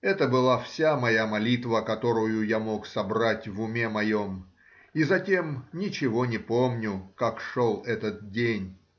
Это была вся моя молитва, которую я мог собрать в уме моем, и затем ничего не помню, как шел этот день.